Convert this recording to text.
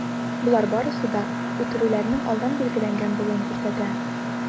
Болар барысы да үтерүләрнең алдан билгеләнгән булуын күрсәтә.